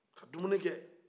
ka dumuni kɛ